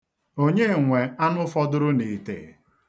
Onye nwe anụ fọdụrụ n'ite?